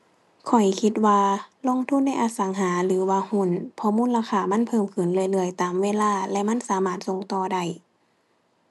ข้อยคิดว่าลงทุนในอสังหาหรือว่าหุ้น เพราะมูลค่ามันเพิ่มขึ้นเรื่อยเรื่อยตามเวลาและมันสามารถส่งต่อได้